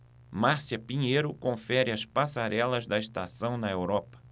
márcia pinheiro confere as passarelas da estação na europa